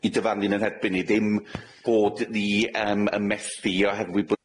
'u dyfarnu yn 'yn herbyn ni, dim bod ni yym yn methu oherwydd bod-